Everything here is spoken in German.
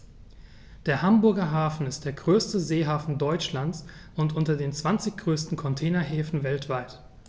Der Hamburger Hafen ist der größte Seehafen Deutschlands und unter den zwanzig größten Containerhäfen weltweit.